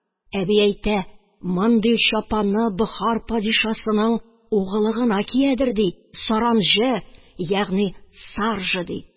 Әби әйтә: «Мондый чапанны бохар падишасының угылы гына киядер, – ди. – Саранҗы, ягъни Саржа »,– ди...